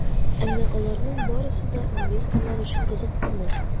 Әмма аларның барысы да инвесторлар өчен кызык булмас.